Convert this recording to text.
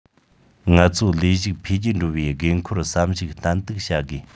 ངལ རྩོལ ལས ཞུགས འཕེལ རྒྱས འགྲོ བའི དགོས མཁོར བསམ གཞིགས ཏན ཏིག བྱ དགོས